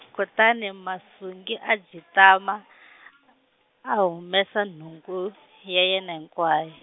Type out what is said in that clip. kutani Masungi a jitama , a- a humesa nhungu, ya yena hinkway-.